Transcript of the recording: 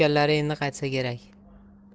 endi qaytsa kerak